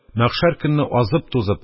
Мәхшәр көнне азып-тузып,